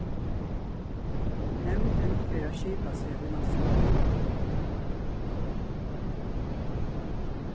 nevndin fer at skipa seg í næstum